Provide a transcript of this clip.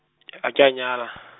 a ke a nyala .